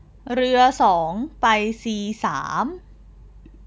เรือสองไปซีสาม